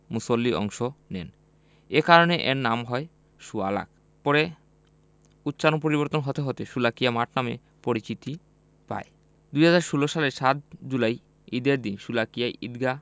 মুসল্লি অংশ নেন এ কারণে এর নাম হয় সোয়া লাখ পরে উচ্চারণ পরিবর্তন হতে হতে শোলাকিয়া মাঠ নামে পরিচিতি পায় ২০১৬ সালের ৭ জুলাই ঈদের দিন শোলাকিয়া ঈদগাহ